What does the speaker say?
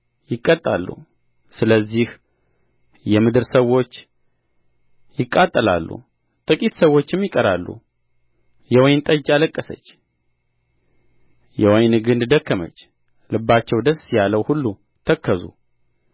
ይቀጣሉ ስለዚህ የምድር ሰዎች ይቃጠላሉ ጥቂት ሰዎችም ይቀራሉ የወይን ጠጅ አለቀሰች የወይን ንግድ ደከመች ልባቸው ደስ ያለው ሁሉ ተከዙ